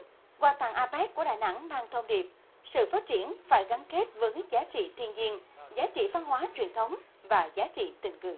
quà tặng a péc của đà nẵng mang thông điệp sự phát triển phải gắn kết với giá trị thiên nhiên giá trị văn hóa truyền thống và giá trị tình người